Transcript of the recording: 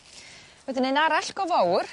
Wedyn un arall go fowr